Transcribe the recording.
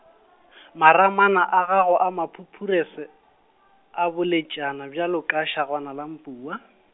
maramana a gago a mapupuruse, a boletšana bjalo ka segwana la mpua.